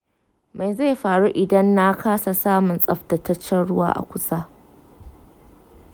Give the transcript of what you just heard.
me zai faru idan na kasa samun tsaftataccen ruwa a kusa?